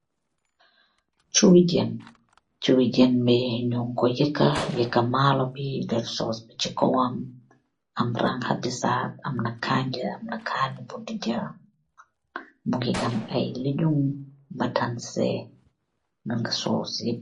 chuwei jehnen ak malor bu am ayyi leguimm.